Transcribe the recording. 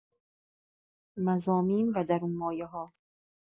مضامین و درون‌مایه‌ها